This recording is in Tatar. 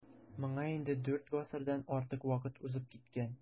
Моңа инде дүрт гасырдан артык вакыт узып киткән.